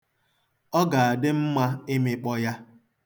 Ọ ga-adị mma ịmịkpọ ya.